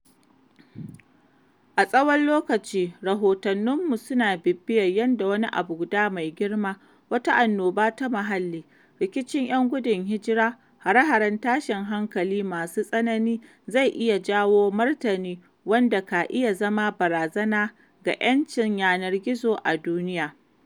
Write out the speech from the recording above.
A tsawon lokaci, rahotanninmu suna bibiyar yadda wani abu guda mai girma, wata annoba ta muhalli, rikicin ‘yan gudun hijira, hare-haren tashin hankali masu tsanani zai iya jawo martani wanda ka iya zama barazana ga 'yancin yanar gizo a duniya.